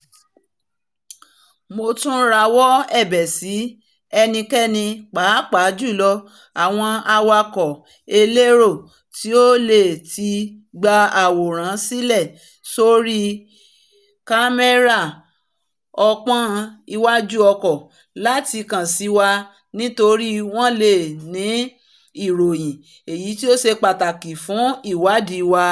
Mo tún ń rawọ́ ẹ̀bẹ̀ sí ẹnikẹ́ni, pàápàá jὺlọ́ àwọn awakọ̀ elérò́, tí ó leè tí gba àwòrán sílẹ̀ sórí kámẹ́rà ọpọ́n iwájú ọkọ̀ láti kàn sí wa nítorí wọn leè ní ìròyìn èyití ó ṣe pàtàkì fún ìwáàdí wa.